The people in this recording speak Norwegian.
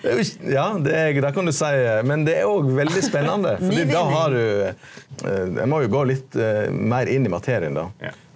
det er ja det det kan du seie men det er òg veldig spennande fordi då har du eg må jo gå litt meir inn i materien då.